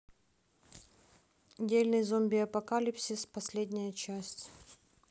дельный зомби апокалипсис последняя часть